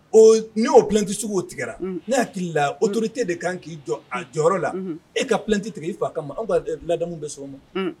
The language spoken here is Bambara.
Ɔ n' o pti o tigɛ ne hakili la otote de kan k'i jɔ a jɔyɔrɔ la e ka pti tigɛ k' fa kama ma an b'a biladamu bɛ sɔn ma